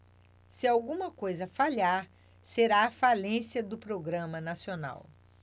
se alguma coisa falhar será a falência do programa nacional